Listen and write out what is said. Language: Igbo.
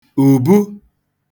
ùbu